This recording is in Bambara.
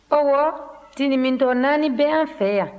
ɔwɔ tindimitɔ naani bɛ an fɛ yan